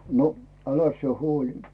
no äläs sinä huoli